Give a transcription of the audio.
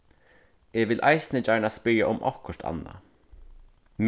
eg vil eisini gjarna spyrja um okkurt annað